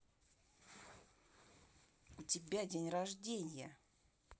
у тебя день рождения